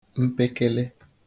mpekele